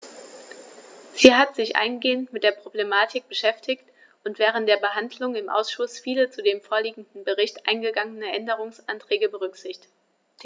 Sie hat sich eingehend mit der Problematik beschäftigt und während der Behandlung im Ausschuss viele zu dem vorliegenden Bericht eingegangene Änderungsanträge berücksichtigt.